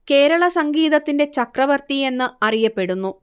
കേരള സംഗീതത്തിന്റെ ചക്രവർത്തി എന്ന് അറിയപ്പെടുന്നു